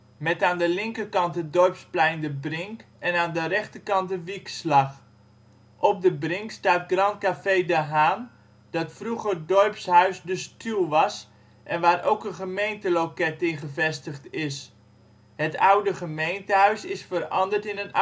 met aan de linkerkant het dorpsplein de Brink en aan de rechterkant de Wiekslag. Op de Brink staat Grand Café De Haen, dat vroeger dorpshuis De Stuw was en waar ook een gemeenteloket in gevestigd is. Het oude gemeentehuis is veranderd in een